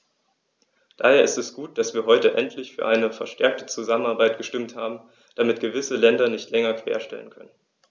Daher ist es gut, dass wir heute endlich für eine verstärkte Zusammenarbeit gestimmt haben, damit gewisse Länder sich nicht länger querstellen können.